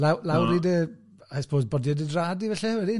Law- lawr i dy, I suppose, bodie dy drad di falle wedyn?